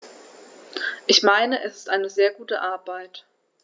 Ich meine, es ist eine sehr gute Arbeit.